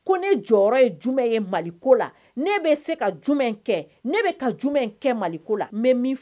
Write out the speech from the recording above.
Ko ne jumɛn jumɛn kɛ maliko la